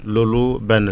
loolu benn la